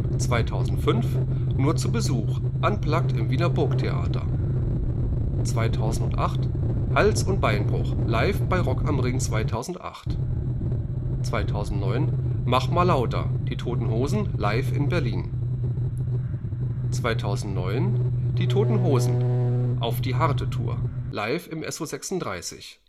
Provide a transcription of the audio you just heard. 2005: Nur zu Besuch: Unplugged im Wiener Burgtheater, akustische Version 2008: Hals + Beinbruch – Live bei Rock am Ring 2008, DVD 2009: Machmalauter: Die Toten Hosen Live in Berlin, DVD 2009: Die Toten Hosen: Auf die harte Tour - Live im SO36